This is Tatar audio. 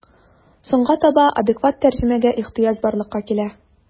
Соңга таба адекват тәрҗемәгә ихҗыяҗ барлыкка килә.